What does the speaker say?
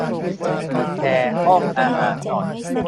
เปิดแอร์ห้องอาหารหน่อย